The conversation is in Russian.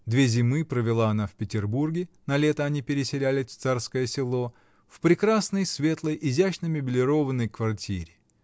Две зимы провела она в Петербурге (на лето они переселялись в Царское Село), в прекрасной, светлой, изящно меблированной квартире